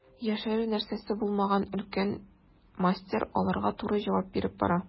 Яшерер нәрсәсе булмаган өлкән мастер аларга туры җавап биреп бара.